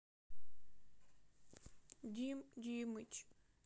дим димыч